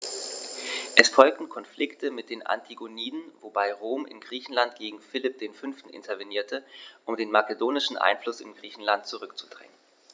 Es folgten Konflikte mit den Antigoniden, wobei Rom in Griechenland gegen Philipp V. intervenierte, um den makedonischen Einfluss in Griechenland zurückzudrängen.